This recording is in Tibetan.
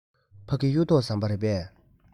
ཕ གི གཡུ ཐོག ཟམ པ རེད པས